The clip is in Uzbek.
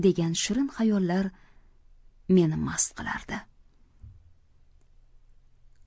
degan shirin xayollar meni mast qilardi